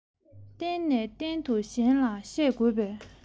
གཏན ནས གཏན དུ གཞན ལ བཤད དགོས པའི